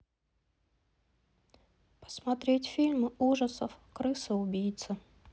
посмотреть фильм ужасов крысы убийцы